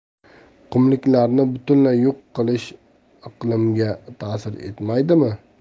qumliklarni butunlay yo'q qilish iqlimga tasir etmaydimi